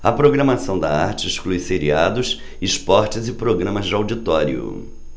a programação da arte exclui seriados esportes e programas de auditório